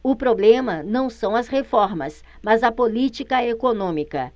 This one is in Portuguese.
o problema não são as reformas mas a política econômica